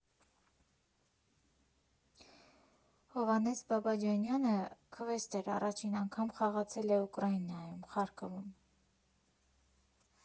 Հովհաննես Բաբաջանյանը քվեսթեր առաջին անգամ խաղացել է Ուկրաինայում՝ Խարկովում։